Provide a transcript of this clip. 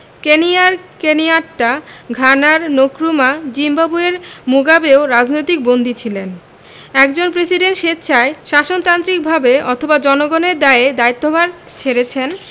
কেনিয়ার কেনিয়াট্টা ঘানার নক্রুমা জিম্বাবুয়ের মুগাবেও রাজনৈতিক বন্দী ছিলেন একজন প্রেসিডেন্ট স্বেচ্ছায় শাসনতান্ত্রিকভাবে অথবা জনগণের দায়ে দায়িত্বভার ছেড়েছেন